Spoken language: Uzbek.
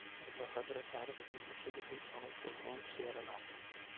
mirzo hazratlari bizning uch yigitimiz halok bo'ldi o'n kishi yaralandi